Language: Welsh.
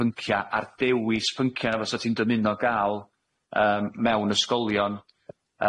pyncia a'r dewis pyncia fysa ti'n dymuno ga'l yym mewn ysgolion